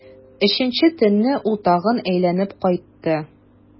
Өченче төнне ул тагын әйләнеп кайтты.